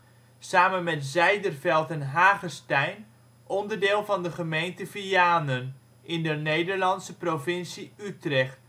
samen met Zijderveld en Hagestein onderdeel van de gemeente Vianen, in de Nederlandse provincie Utrecht